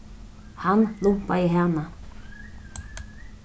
hann lumpaði hana